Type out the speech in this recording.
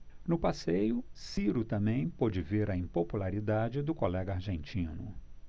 no passeio ciro também pôde ver a impopularidade do colega argentino